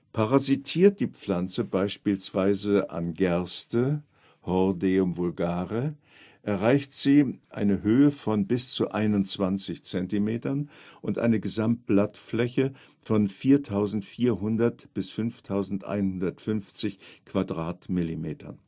Parasitiert die Pflanze beispielsweise an Gerste (Hordeum vulgare), erreicht sie eine Höhe von bis zu 21 Zentimetern und eine Gesamtblattfläche von 4400 bis 5150 Quadratmillimetern